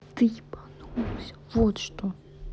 ты ебанулся вот что